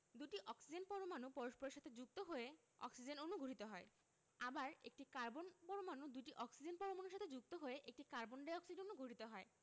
দুটি অক্সিজেন পরমাণু পরস্পরের সাথে যুক্ত হয়ে অক্সিজেন অণু গঠিত হয় আবার একটি কার্বন পরমাণু দুটি অক্সিজেন পরমাণুর সাথে যুক্ত হয়ে একটি কার্বন ডাই অক্সাইড অণু গঠিত হয়